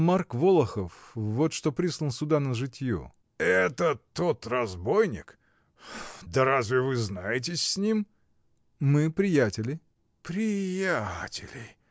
— Марк Волохов, вот что прислан сюда на житье. — Это тот разбойник? Да разве вы знаетесь с ним? — Мы приятели. — Приятели?